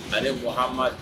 Ani Mohamadu.